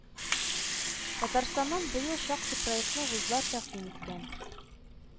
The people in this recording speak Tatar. Татарстаннан быел шактый проектны вузлар тәкъдим иткән